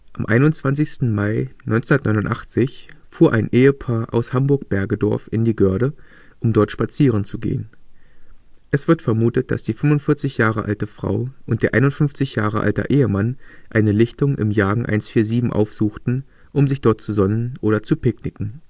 Am 21. Mai 1989 fuhr ein Ehepaar aus Hamburg-Bergedorf in die Göhrde, um dort spazieren zu gehen. Es wird vermutet, dass die 45 Jahre alte Frau und ihr 51 Jahre alter Ehemann eine Lichtung im Jagen 147 aufsuchten, um sich dort zu sonnen oder zu picknicken